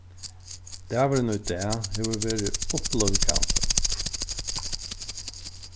dagurin í dag hevur verið upplívgandi